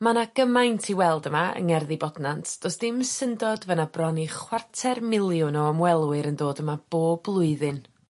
Ma' 'na gymaint i weld yma yng Ngerddi Bodnant do's dim syndod ma' 'na bron i chwarter miliwn o ymwelwyr yn dod yma bob blwyddyn.